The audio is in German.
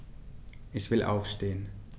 Ich will aufstehen.